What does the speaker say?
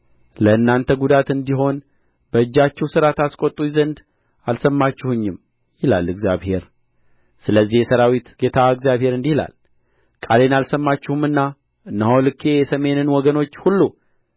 ለእናንተ ጕዳት እንዲሆን በእጃችሁ ሥራ ታስቈጡኝ ዘንድ አልሰማችሁኝም ይላል እግዚአብሔር ስለዚህ የሠራዊት ጌታ እግዚአብሔር እንዲህ ይላል ቃሌን አልሰማችሁምና እነሆ ልኬ የሰሜንን ወገኖች ሁሉ